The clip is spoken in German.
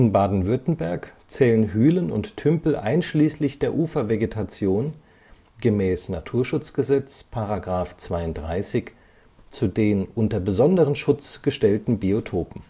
Baden-Württemberg zählen „ Hülen und Tümpel einschließlich der Ufervegetation” gemäß Naturschutzgesetz (§ 32) zu den unter besonderen Schutz gestellten Biotopen